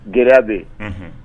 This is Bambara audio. G bɛ yen